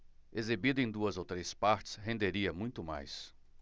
exibida em duas ou três partes renderia muito mais